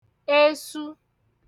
esu